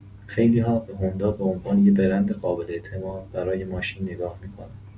خیلی‌ها به هوندا به‌عنوان یه برند قابل‌اعتماد برای ماشین نگاه می‌کنن.